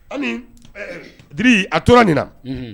Di a tora nin na